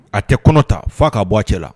A tɛ kɔnɔta fo'a k'a bɔ a cɛla la